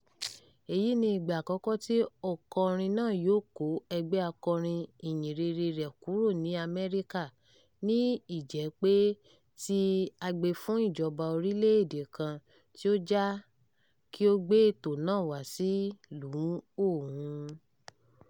Èyí ni ìgbà àkọ́kọ́ tí ọ̀kọrin náà yóò kó ẹgbẹ́ akọrin ìyìnrere rẹ̀ kúrò ní Amẹ́ríkà, ní ìjẹ́pèe ti agbè fún ìjọba orílẹ̀ èdèe kan tí ó Ja kí ó gbé ètò náà wá sílùú òun.